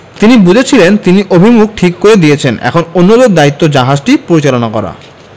তিনি বুঝেছিলেন তিনি অভিমুখ ঠিক করে দিয়েছেন এখন অন্যদের দায়িত্ব জাহাজটি পরিচালনা করা